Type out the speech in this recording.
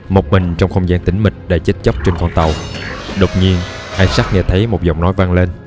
một mình trong không gian tĩnh mịch đầy chết chóc trên con tàu đột nhiên isaac nghe thấy một giọng nói vang lên